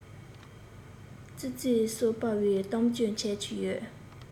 ཙི ཙི གསོད པའི གཏམ རྒྱུད འཆད ཀྱི ཡོད